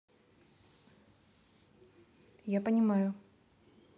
я понимаю